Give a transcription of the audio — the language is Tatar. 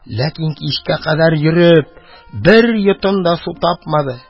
Ләкин кичкә кадәр йөреп, бер йотым да су тапмады.